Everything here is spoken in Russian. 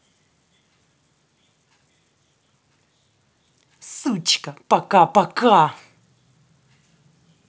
сучка пока пока